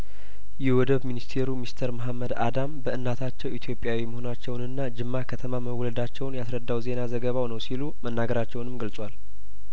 የወደብ ሚኒስቴሩ ሚስተር መሀመድ አዳም በእናታቸው ኢትዮጵያዊ መሆናቸውንና ጅማ ከተማ መወለዳቸውን ያስረዳው ዜና ዘገባው ነው ሲሉ መናገራቸውንም ገልጿል